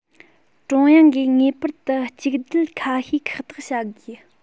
ཀྲུང དབྱང གིས ངེས པར དུ གཅིག སྡུད ཁ ཤས ཁག ཐེག བྱ དགོས